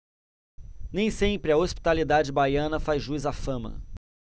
nem sempre a hospitalidade baiana faz jus à fama